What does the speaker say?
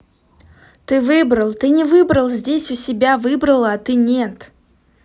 ты выбрал ты не выбрал здесь у себя выбрала а ты нет